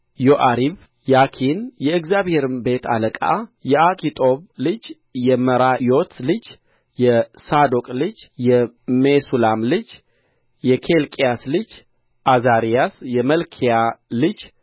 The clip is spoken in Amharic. ዮአሪብ ያኪን የእግዚአብሔርም ቤት አለቃ የአኪጦብ ልጅ የመራዮት ልጅ የሳዶቅ ልጅ ሜሱላም ልጅ የኬልቂያስ ልጅ ዓዛርያስ የመልኪያ ልጅ